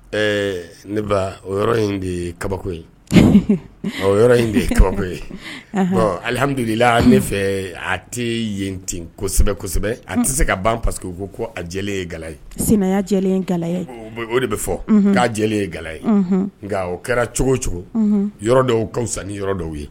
Ɛɛ ne ba o yɔrɔ in de ye kabako ye ɔ yɔrɔ in de ye tɔgɔko ye alihamdudulila ne fɛ a tɛ yen ten kosɛbɛ kosɛbɛ a tɛ se ka ban pa que ko ko a jɛ ye gaye sinayajɛ ye ga o de bɛ fɔ k'a jɛ ye ga ye nka o kɛra cogo cogo yɔrɔ dɔw ka fisa ni yɔrɔ dɔw ye